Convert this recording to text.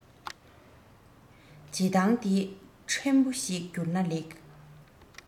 བྱེད བཏང འདི ཕྲན བུ ཞིག རྒྱུར ན ལེགས